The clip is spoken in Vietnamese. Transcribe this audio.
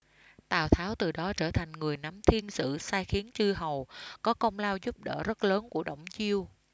tào tháo từ đó trở thành người nắm thiên tử sai khiến chư hầu có công lao giúp đỡ rất lớn của đổng chiêu